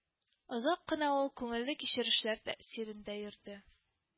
Озак кына ул күңелле кичерешләр тәэсирендә йөрде